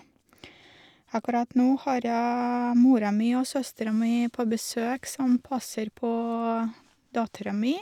Akkurat nå har jeg mora mi og søstera mi på besøk som passer på dattera mi.